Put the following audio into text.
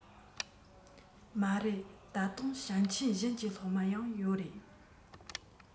མ རེད ད དུང ཞིང ཆེན གཞན གྱི སློབ མ ཡང ཡོད རེད